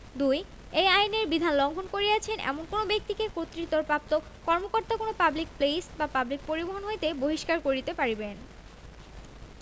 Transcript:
২ এই আইনের বিধান লংঘন করিয়অছেন এমন কোন ব্যক্তিকে কর্তৃত্বপ্রাপ্ত কর্মকর্তঅ কোন পাবলিক প্লেস বা পাবলিক পরিবহণ হইতে বহিষ্কার করিতে পারিবেন